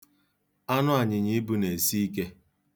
Anụ anyịnyaibu na-esi ike.